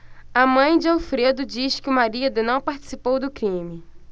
a mãe de alfredo diz que o marido não participou do crime